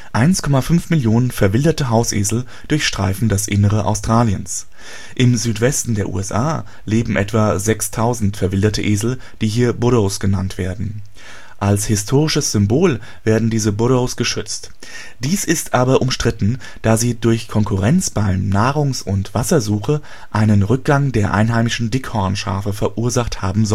1,5 Millionen verwilderte Hausesel durchstreifen das Innere Australiens. Im Südwesten der USA leben etwa 6000 verwilderte Esel, die hier burros genannt werden. Als historisches Symbol werden diese Burros geschützt; dies ist aber umstritten, da sie durch Konkurrenz bei Nahrungs - und Wassersuche einen Rückgang der einheimischen Dickhornschafe verursacht haben